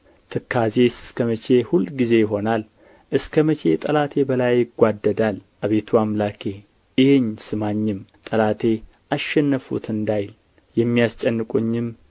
ትካዜስ እስከ መቼ ሁልጊዜ ይሆናል እስከ መቼ ጠላቴ በላዬ ይጓደዳል አቤቱ አምላኬ እየኝ ስማኝም ጠላቴ አሸነፍሁት እንዳይል የሚያስጨንቁኝም